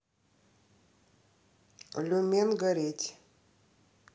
люмен гореть